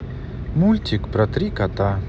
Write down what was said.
мультик про три кота